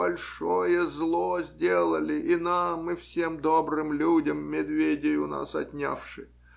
большое зло сделали и нам и всем добрым людям, медведей у нас отнявши.